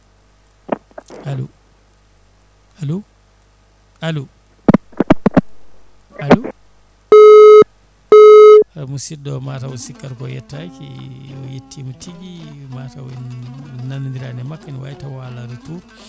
alo alo alo alo a musidɗo o mataw o sikkata ko yettaki o yettima tigui mataw en nanodirani e makko ene wawi taw o ala retour